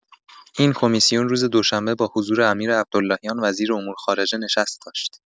این کمیسیون روز دوشنبه با حضور امیرعبداللهیان وزیر امور خارجه نشست داشت.